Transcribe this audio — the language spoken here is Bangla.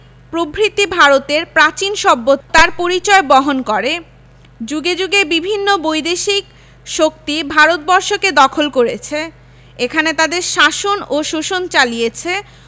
প্রভৃতি ভারতের প্রাচীন সভ্যতার পরিচয় বহন করেযুগে যুগে বিভিন্ন বৈদেশিক শক্তি ভারতবর্ষকে দখল করেছে এখানে তাদের শাসন ও শোষণ চালিছে